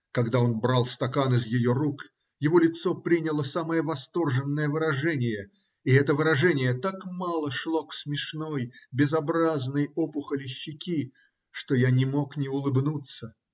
Когда он брал стакан из ее рук, его лицо приняло самое восторженное выражение, и это выражение так мало шло к смешной, безобразной опухоли щеки, что я не мог не улыбнуться.